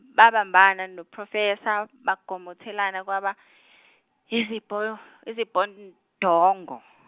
babambana no- Professor bagomothelana kwaba, yizibho- yizibhodongo.